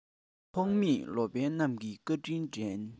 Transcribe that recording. ཐོགས མེད ལོ པཎ རྣམས ཀྱི བཀའ དྲིན དྲན